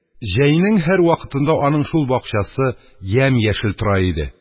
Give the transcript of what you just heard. Җәйнең һәр вакытында аның шул бакчасы ямь-яшел тора иде